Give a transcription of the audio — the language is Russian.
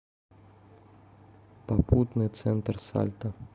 попутный центр сальто